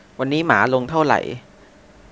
วันนี้หมาลงเท่าไหร่